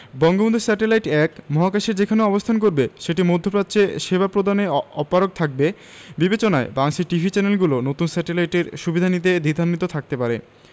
Bangabandhu satellite ১ মহাকাশের যেখানে অবস্থান করবে সেটি মধ্যপ্রাচ্যে সেবা প্রদানে অপারগ থাকবে বিবেচনায় বাংলাদেশের টিভি চ্যানেলগুলো নতুন স্যাটেলাইটের সুবিধা নিতে দ্বিধান্বিত থাকতে পারে